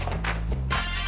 ôi